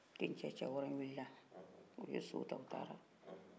dencɛ cɛ wɔɔrɔ in wili la u ye sow ta u taara